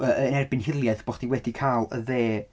Y- yn erbyn hiliaeth, bod chdi wedi cael y dde...